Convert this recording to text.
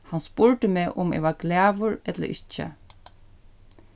hann spurdi meg um eg var glaður ella ikki